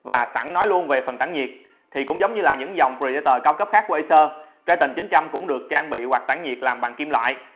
sẵn nói luôn về phần tản nhiệt thì cũng giống như là những dòng predator cao cấp khác của acer triton cũng được trang bị quạt tản nhiệt làm bằng kim loại